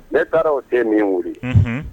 Ne taaraw tɛ min wuli